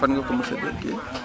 fan nga ko mos a déggee